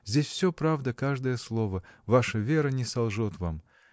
здесь всё правда, каждое слово: ваша Вера не солжет вам.